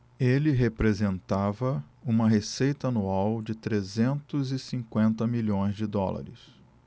ele representava uma receita anual de trezentos e cinquenta milhões de dólares